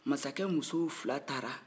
masakɛ musow fila taara